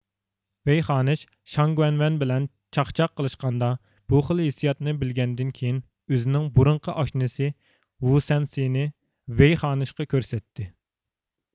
ۋېي خانىش شاڭگۈەنۋەن بىلەن چاخچاق قىلشقاندا بۇ خىل ھېسياتنى بىلگەندىن كېيىن ئۆزىنىڭ بۇرۇنقى ئاشنىسى ۋۇسەنسنى ۋېي خانىشقا كۆرسەتتى